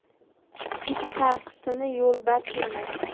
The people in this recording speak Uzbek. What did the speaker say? it sarqitini yo'lbars yemas